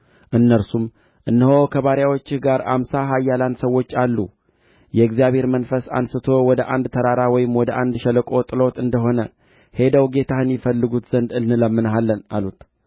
ውኃውንም በመታ ጊዜ ወዲህና ወዲያ ተከፈለ ኤልሳዕም ተሻገረ ከኢያሪኮም መጥተው በአንጻሩ የነበሩት የነቢያት ልጆች ባዩት ጊዜ የኤልያስ መንፈስ በኤልሳዕ ላይ ዐርፎአል አሉ ሊገናኙትም መጥተው በፊቱ ወደ ምድር ተደፉ